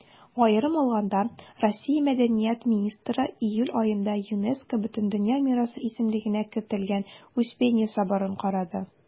Аерым алганда, Россия Мәдәният министры июль аенда ЮНЕСКО Бөтендөнья мирасы исемлегенә кертелгән Успенья соборын карады.